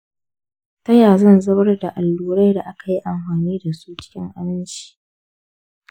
ta ya zan zubar da allurai da akayi amfani dasu cikin aminci?